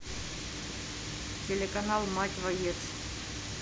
телеканал мать воец